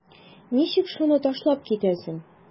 Ничек шуны ташлап китәсең?